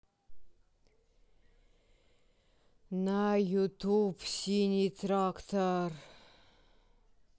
на ютуб синий трактор